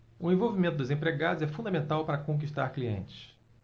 o envolvimento dos empregados é fundamental para conquistar clientes